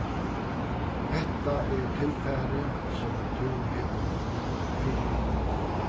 hetta er tilfarið sum tú hevur brúk fyri